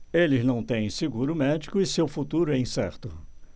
eles não têm seguro médico e seu futuro é incerto